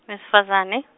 wes'fazane.